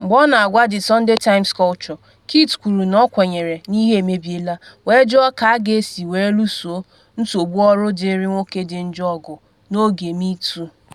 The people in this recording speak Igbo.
Mgbe ọ na-agwa The Sunday Times Culture, Kit kwuru na ọ kwenyere ‘n’ihe emebiela’ wee jụọ ka a ga-esi were luso nsogbu ọrụ dịrị nwoke dị njọ ọgụ n’oge #MeToo.